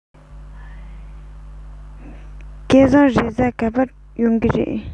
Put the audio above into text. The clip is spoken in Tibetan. སྐལ བཟང རེས གཟའ ག པར ཡོང གི རེད